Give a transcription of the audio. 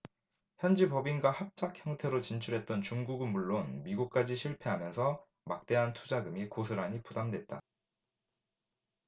현지법인과 합작형태로 진출했던 중국은 물론 미국까지 실패하면서 막대한 투자금이 고스란히 부담이 됐다